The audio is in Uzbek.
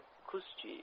kuz chi